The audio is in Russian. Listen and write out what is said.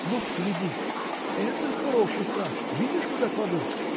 Вот гляди: это хороший фрак – видишь, куда кладу?